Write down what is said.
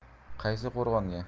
qaysi qo'rg'onga